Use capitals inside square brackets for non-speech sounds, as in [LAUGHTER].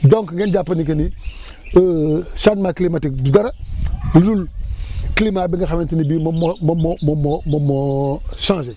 donc ngeen jàpp ni que ni [BREATH] [HESITATION] changement climatique du dara ludul [BREATH] climat bi nga xamante ne bii moom moo moom moo moom moo moom moo changé